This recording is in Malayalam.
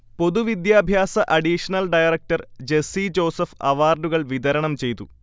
പൊതുവിദ്യാഭ്യാസ അഡീഷണൽ ഡയറക്ടർ ജെസ്സി ജോസഫ് അവാർഡുകൾ വിതരണംചെയ്തു